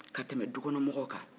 ka tɛmɛ dukɔnɔmɔgɔw kan